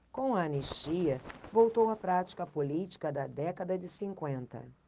com a anistia voltou a prática política da década de cinquenta